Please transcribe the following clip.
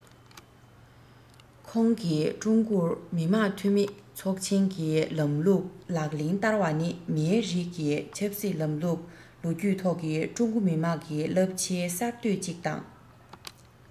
ཁོང གིས ཀྲུང གོར མི དམངས འཐུས མི ཚོགས ཆེན གྱི ལམ ལུགས ལག ལེན བསྟར བ ནི མིའི རིགས ཀྱི ཆབ སྲིད ལམ ལུགས ལོ རྒྱུས ཐོག གི ཀྲུང གོ མི དམངས ཀྱི རླབས ཆེའི གསར གཏོད ཅིག དང